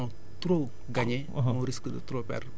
parce que parfois en voulant trop gagner